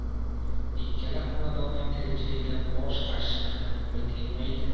ikkala xonadonning tirikchiligidan bosh qashishga ham qo'li tegmaydi